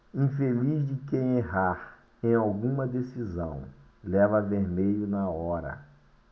infeliz de quem errar em alguma decisão leva vermelho na hora